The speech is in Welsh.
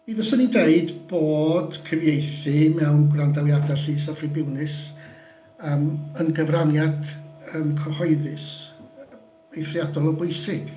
Mi fyswn i'n deud bod cyfieithu mewn gwrandawiadau llys a thribiwnlys yym yn gyfraniad cyhoeddus eithriadol o bwysig.